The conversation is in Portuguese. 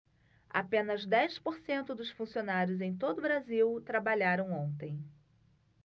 apenas dez por cento dos funcionários em todo brasil trabalharam ontem